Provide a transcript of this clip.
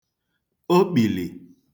okpìlì